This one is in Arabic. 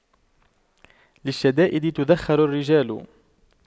للشدائد تُدَّخَرُ الرجال